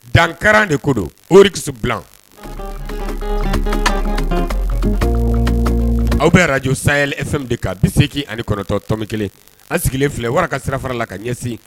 Dankararan de ko don ori kisi bila aw bɛ araj saymew de ka bin seeki ani kɔrɔtɔ tomi kelen a sigilen filɛ wara ka sira fara la ka ɲɛsin